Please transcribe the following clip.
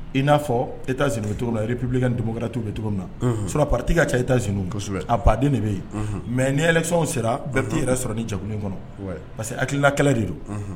I n'a fɔ e taa sen tuguni na ipi n ni kɛrara tu bɛ na sɔrɔ pati kaa cɛ i taa z kosɛbɛ a baden de bɛ yen mɛ n'i yɛlɛsɔnw sera bere' yɛrɛ sɔrɔ ni jakolonnen kɔnɔ parce que hakilila kɛlɛ de don